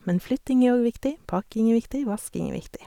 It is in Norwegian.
Men flytting er òg viktig, pakking er viktig, vasking er viktig.